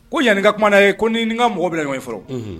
Ko yanani ka kumaumana' ye ko ni n ka mɔgɔ bila ɲɔgɔn fɔlɔ